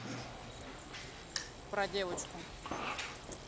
про девочку